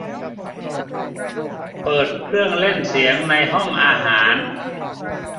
เปิดเครื่องเล่นเสียงในห้องอาหาร